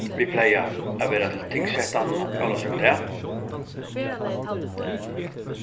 vit plaga at vera til tingsetanina ólavsøkudag